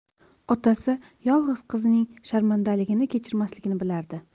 otasi yolg'iz qizining sharmandaligini kechirmasligini bilardi